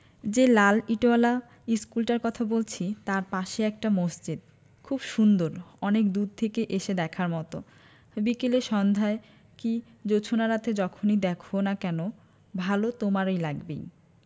যে লাল ইটোয়ালা ইশকুলটার কথা বলছি তাই পাশেই একটা মসজিদ খুব সুন্দর অনেক দূর থেকে এসে দেখার মতো বিকেলে সন্ধায় কি জোছনারাতে যখনি দ্যাখো না কেন ভালো তোমারই লাগবেই